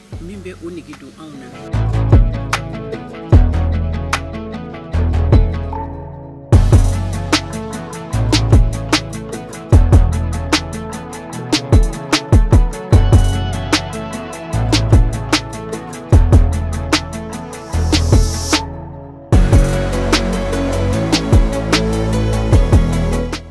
Min bɛ o degedo